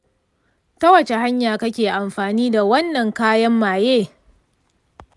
ta wace hanya kake amfani da wannan kayan maye?